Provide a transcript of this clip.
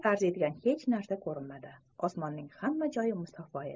arziydigan hech narsa ko'rinmaydi osmonning hamma joyi musaffo edi